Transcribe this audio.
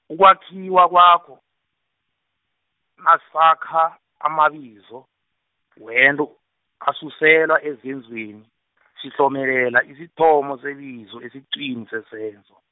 ukwakhiwa kwawo, nasakha, amabizo, wento, asuselwa ezenzweni, sihlomelela isithomo sebizo esiqwini sesenzo.